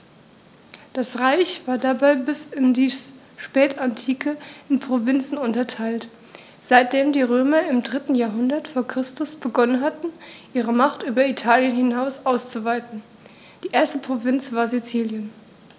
Das Reich war dabei bis in die Spätantike in Provinzen unterteilt, seitdem die Römer im 3. Jahrhundert vor Christus begonnen hatten, ihre Macht über Italien hinaus auszuweiten (die erste Provinz war Sizilien).